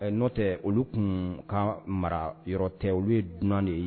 Ɛ nɔtɛɛ olu tuun ka mara yɔrɔ tɛ olu ye dunan de ye